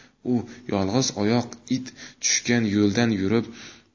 u yolg'iz oyoq it tushgan yo'ldan yurib